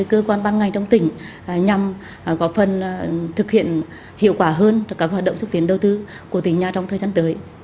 cơ quan ban ngành trong tỉnh nhằm góp phần thực hiện hiệu quả hơn các hoạt động xúc tiến đầu tư của tỉnh nhà trong thời gian tới